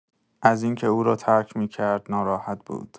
از این‌که او را ترک می‌کرد، ناراحت بود.